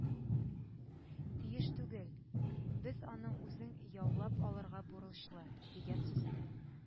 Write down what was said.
Тиеш түгел, без аның үзен яулап алырга бурычлы» дигән сүзенә